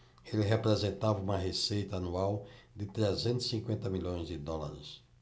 ele representava uma receita anual de trezentos e cinquenta milhões de dólares